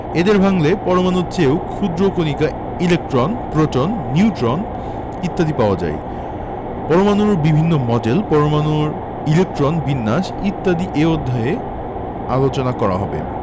এদের ভাঙলে পরমাণুর চেয়েও ক্ষুদ্র কণিকা ইলেকট্রন প্রোটন নিউট্রন ইত্যাদি পাওয়া যায় পরমাণুর বিভিন্ন মডেল পরমাণুর ইলেকট্রন বিন্যাস ইত্যাদি এ অধ্যায়ে আলোচনা করা হবে